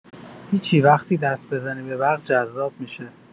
هیچی وقتی دست بزنی به برق جذاب می‌شه